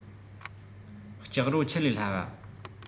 སྐྱག རོ ཆུ ལས སླ བ